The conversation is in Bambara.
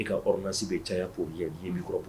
I ka ɔrdinasi bɛ caya